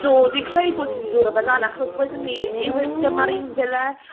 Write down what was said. Do, dwi’n credu bod ti ‘di dod a fe lan achos wedon i yw… dyma’r un villa?